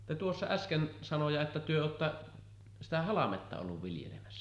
te tuossa äsken sanoitte että te olette sitä halmetta ollut viljelemässä